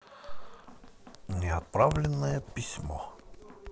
неотправленное письмо